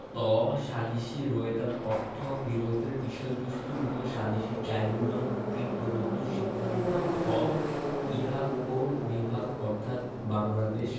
ত সালিসী রোয়েদাদ অর্থ বিরোধের বিষয়বস্তুর উপর সালিসী ট্রাইব্যুনাল কর্তৃক প্রদত্ত সিদ্ধান্ত থ ইহাকোর্ট বিভাগ অর্থ বাংলাদেশ